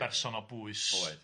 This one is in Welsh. ...berson o bwys. Oedd,